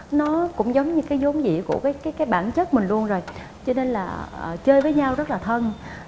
nó cũng giống như cái dốn dĩ của cái cái cái bản chất mình luôn rồi cho nên là ờ chơi với nhau rất là thân